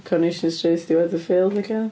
Coronation Street 'di Weatherfiald falle?